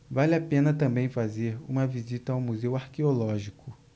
vale a pena também fazer uma visita ao museu arqueológico